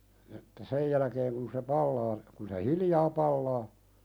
että sen jälkeen kun se palaa kun se hiljaa palaa